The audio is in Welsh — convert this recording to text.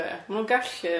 Ma' nhw'n gallu on-